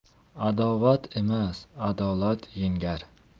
adovat emas adolat yengar